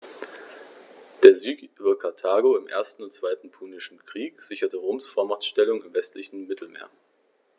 Der Sieg über Karthago im 1. und 2. Punischen Krieg sicherte Roms Vormachtstellung im westlichen Mittelmeer.